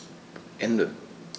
Ende.